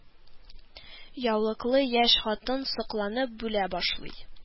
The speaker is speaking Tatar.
Яулыклы яшь хатын сокланып бүлә башлый